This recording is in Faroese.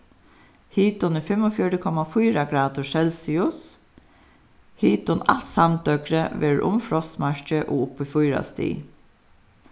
hitin er fimmogfjøruti komma fýra gradir celsius hitin alt samdøgrið verður um frostmarkið og upp í fýra stig